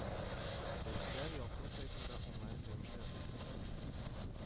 Дәресләр Ялкын сайтында онлайн рәвештә укытыла